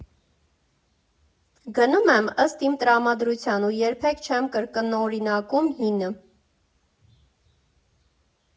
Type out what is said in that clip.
Գնում եմ ըստ իմ տրամադրության ու երբեք չեմ կրկնօրինակում հինը։